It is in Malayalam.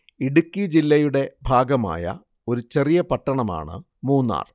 ഇടുക്കി ജില്ലയുടെ ഭാഗമായ ഒരു ചെറിയ പട്ടണമാണ് മൂന്നാർ